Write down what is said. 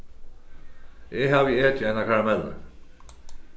eg havi etið eina karamellu